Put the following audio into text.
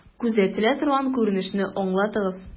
Күзәтелә торган күренешне аңлатыгыз.